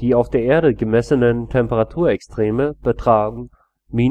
Die auf der Erde gemessenen Temperaturextreme betragen −89,6 °C